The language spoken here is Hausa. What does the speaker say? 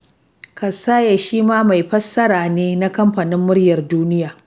Kassaye shi ma mai fassara ne na Kamfanin Muryar Duniya.